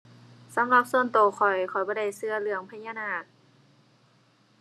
สำหรับส่วนตัวข้อยข้อยบ่ได้ตัวเรื่องพญานาค